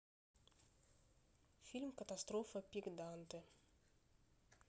фильм катастрофа пик данте